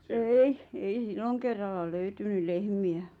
ei ei silloin kerralla löytynyt lehmiä